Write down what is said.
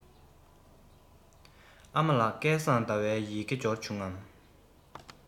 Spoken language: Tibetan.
ཨ མ ལགས སྐལ བཟང ཟླ བའི ཡི གེ འབྱོར བྱུང ངམ